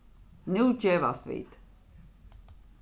nú gevast vit